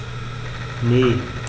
Ne.